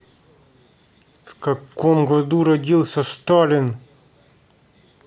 в каком году родился сталин